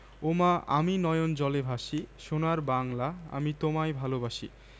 ওমা আমি নয়ন জলে ভাসি সোনার বাংলা আমি তোমায় ভালবাসি